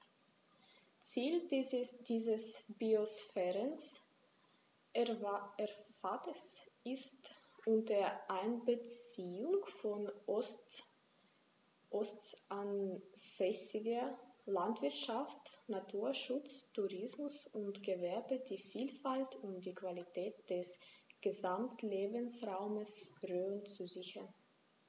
Ziel dieses Biosphärenreservates ist, unter Einbeziehung von ortsansässiger Landwirtschaft, Naturschutz, Tourismus und Gewerbe die Vielfalt und die Qualität des Gesamtlebensraumes Rhön zu sichern.